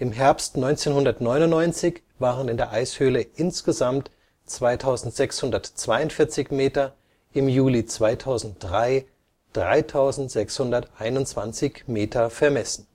Herbst 1999 waren in der Eishöhle insgesamt 2642 Meter, im Juli 2003 3621 Meter vermessen